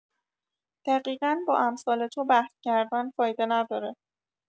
دقیقا با امثال تو بحث کردن فایده نداره.